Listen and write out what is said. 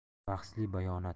bahsli bayonot